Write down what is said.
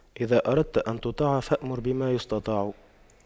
إذا أردت أن تطاع فأمر بما يستطاع